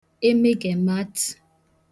emegèm̀madtụ̀